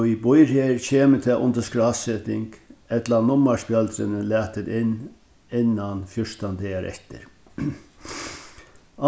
ið býr her kemur tað undir skráseting ella nummarspjøldrini latin inn innan fjúrtan dagar eftir